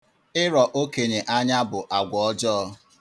Ịrọ okenye anya bụ agwa ọjọọ.